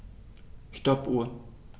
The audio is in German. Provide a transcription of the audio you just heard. Stoppuhr.